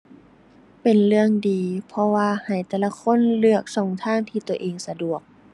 เป็นเรื่องดี เพราะว่าให้แต่ละคนเลือกช่องทางที่ตัวเองสะดวก